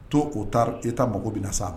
To' e taa mago bɛna na sa ma